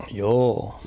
joo